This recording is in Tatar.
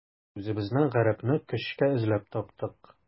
Үзебезнең гарәпне көчкә эзләп таптык.